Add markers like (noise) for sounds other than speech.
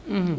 (hesitation) (hesitation)